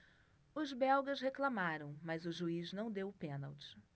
os belgas reclamaram mas o juiz não deu o pênalti